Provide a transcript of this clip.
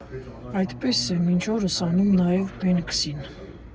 Այդպես է մինչ օրս անում նաև Բենքսին։